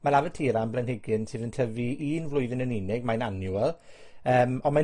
Ma' lavatera'n blanhigyn sydd yn tyfu un flwyddyn yn unig. Mae'n annual, yym, on' mae'n